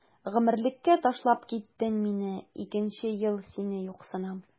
Гомерлеккә ташлап киттең мине, икенче ел сине юксынам.